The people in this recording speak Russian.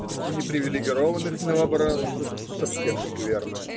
У непривилегированных новобранцев совсем скверно.